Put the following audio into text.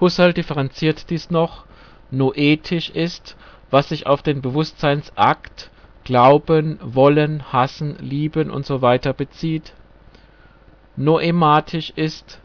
Husserl differenziert dies noch " noetisch " ist, was sich auf den Bewusstseinsakt (glauben, wollen, hassen, lieben...) bezieht " noematisch " ist